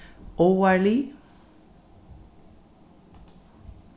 áarlið